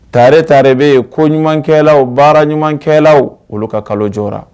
Tare ta bɛ yen ko ɲuman kɛ baara ɲuman kɛ olu ka kalo joonayara